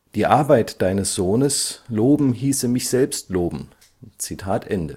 die Arbeit Deines Sohnes] loben hiesse mich selbst loben “). Er